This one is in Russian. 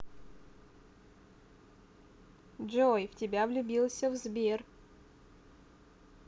джой в тебя влюбился в сбер